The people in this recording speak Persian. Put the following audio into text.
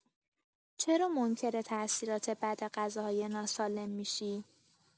چرا منکر تاثیرات بد غذاهای ناسالم می‌شی؟